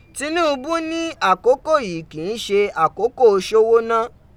Tinubu ni akoko yii kii se akoko sọ́wọ́ná.